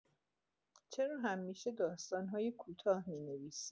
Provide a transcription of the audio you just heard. چرا همیشه داستان‌های کوتاه می‌نویسی؟